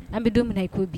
An bɛ don i ko bi